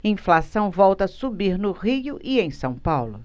inflação volta a subir no rio e em são paulo